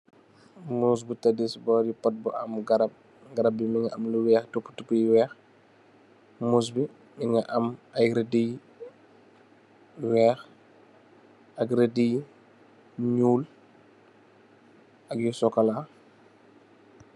Muus bu teddu ci bori tap bu am garap, garap bi mungi am lu weex topu topu yu weex. Muus bi mungi am ay radius yu weex ak raddu yu ñuul.